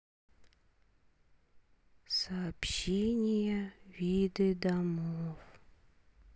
сообщение виды домов